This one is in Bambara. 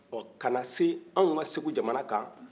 kana se anw ka segu jamana kan